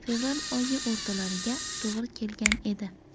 fevral oyi o'rtalariga to'g'ri kelgan edi